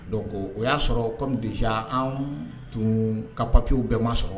Don o y'a sɔrɔ kɔmi dez anw tun ka papiyewu bɛɛ ma sɔrɔ